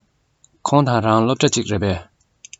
ཁོང དང ཁྱོད རང སློབ གྲྭ གཅིག རེད པས